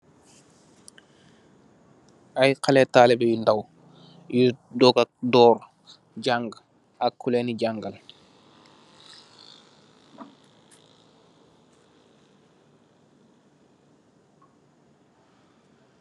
Ay xaleh talibeh yu ndaw, yu doga dóór janga ak ku lèèn di jangal.